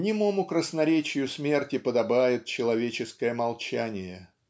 Немому красноречию смерти подобает человеческое молчание.